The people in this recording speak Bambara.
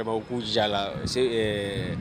Ko zala se